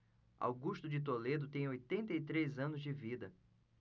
augusto de toledo tem oitenta e três anos de vida